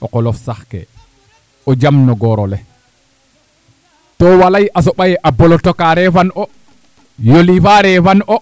o qolof saxkee o jambin o goor ole too waalay a soɓa yee a bolata ka refan o yoli faa refan o